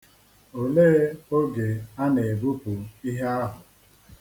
Olee oge a na-ebupu ihe ahụ?